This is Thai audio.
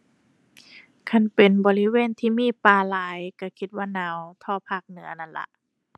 คันเป็นบริเวณที่มีป่าหลายก็คิดว่าหนาวเท่าภาคเหนือนั่นล่ะ